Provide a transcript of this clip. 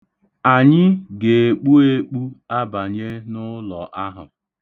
Anyị ga-ekpu ekpu abanye n'ụlọ ahụ.